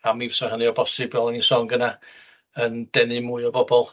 A mi fasa hynny o bosib, fel yn i'n sôn gynna, yn denu mwy o bobl.